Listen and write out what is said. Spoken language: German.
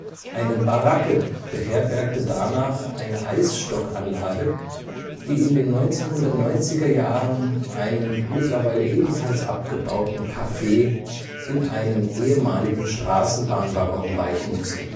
Eine Baracke beherbergte danach eine Eisstockanlage, die in den 1990er-Jahren einem – mittlerweile ebenfalls abgebauten – Café in einem ehemaligen Straßenbahnwaggon weichen musste